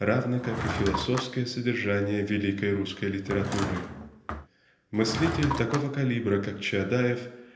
равно как и философское содержание великой русской литературы. Мыслитель такого калибра как Чаадаев